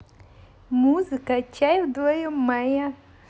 музыка чай вдвоем моя